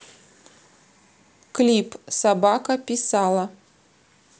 клип собака писала